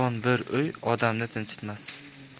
uy odamni tinchitmas